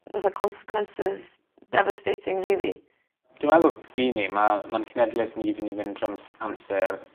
fatha consequences devastating rili. Dwi meddwl by' ni. Ma' ma'n c'nedleth ni fyn' i fynd trw ams- amser